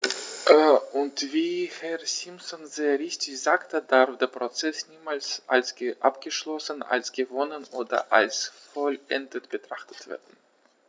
Und wie Herr Simpson sehr richtig sagte, darf der Prozess niemals als abgeschlossen, als gewonnen oder als vollendet betrachtet werden.